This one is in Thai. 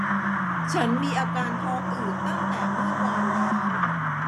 ฉันมีอาการท้องอืดตั้งแต่เมื่อวานแล้ว